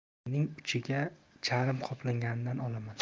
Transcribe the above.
yengining uchiga charm qoplanganidan olaman